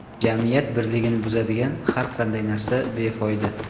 jamiyat birligini buzadigan har qanday narsa befoyda